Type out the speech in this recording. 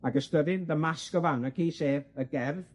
Ac ystyrir The Mask of Anarchy sef y gerdd